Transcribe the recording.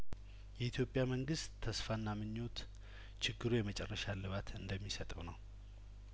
የኢትዮጵያ መንግስት ተስፋና ምኞት ችግሩ የመጨረሻ እልባት እንደሚሰጠው ነው